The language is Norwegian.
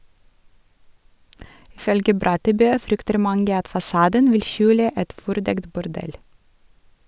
Ifølge Brattebø frykter mange at fasaden vil skjule et fordekt bordell.